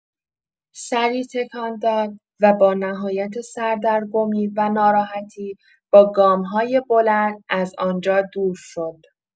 سری تکان داد و با نهایت سردرگمی و ناراحتی با گام‌های بلند از آن‌جا دور شد.